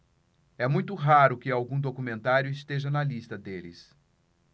é muito raro que algum documentário esteja na lista deles